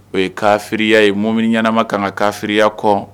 O ye kaririya ye mom ɲɛnama kan ka kafiya kɔ